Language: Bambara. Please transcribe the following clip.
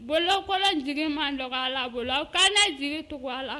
Bolokolon jigi man dɔgɔ Ala bolo a' ka ne jigi tugun Ala